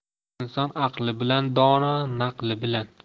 inson aqli bilan dono naqli bilan